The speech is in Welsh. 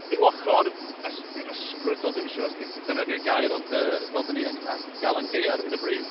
Ryw ochr ys-... dim ysbrydol, dwi'm yn siŵr os 'di... dyna di'r gair, ond yy, fel 'dan ni yn ar Galan Gaea ar hyn o bryd.